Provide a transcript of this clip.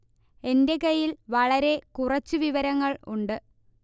എന്റെ കയ്യിൽ വളരെ കുറച്ച് വിവരങ്ങൾ ഉണ്ട്